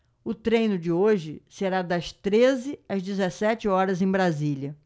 o treino de hoje será das treze às dezessete horas em brasília